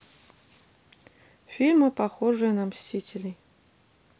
фильмы похожие на мстителей